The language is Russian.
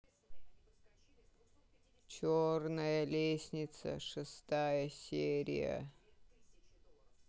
черная лестница шестая серия